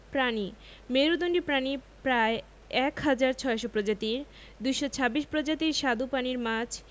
প্রাণীঃ মেরুদন্ডী প্রাণী প্রায় ১হাজার ৬০০ প্রজাতির ২২৬ প্রজাতির স্বাদু পানির মাছ